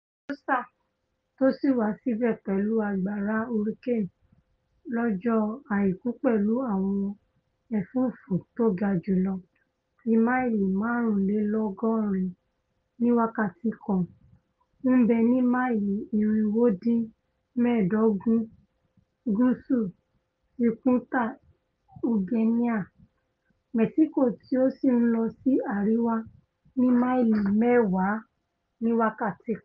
Rosa, tósì wà síbẹ̀ pẹ̀lú agbára hurricane lọ́jọ́ Àìkú pẹ̀lú àwọn ẹ̀fúùfù tóga jùlọ ti máìlì máàrúnlélọ́gọ́rin ní wákàtí kan, ńbẹ ní máìlì irinwó-dín-mẹ́ẹ̀ẹ́dógún gúúsù ti Punta Eugenia, Mẹ́ṣíkò tí ó sì ńlọ sí àríwá ní máìlì mẹ́wàá ní wákàtí kan.